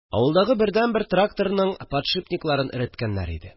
Авылдагы бердәнбер тракторның подшипникларын эреткәннәр иде